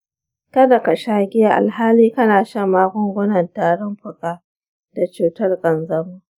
ka da ka sha giya alhali kana shan magungunan tarin fuka da cutar ƙanjamau.